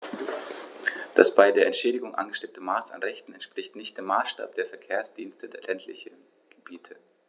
Das bei der Entschädigung angestrebte Maß an Rechten entspricht nicht dem Maßstab der Verkehrsdienste der ländlichen Gebiete.